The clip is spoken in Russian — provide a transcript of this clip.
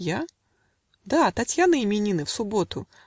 "Я?" - Да, Татьяны именины В субботу.